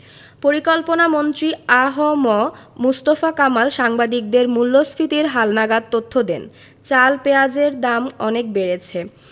পরিকল্পনামন্ত্রী আ হ ম মুস্তফা কামাল সাংবাদিকদের মূল্যস্ফীতির হালনাগাদ তথ্য দেন চাল পেঁয়াজের দাম অনেক বেড়েছে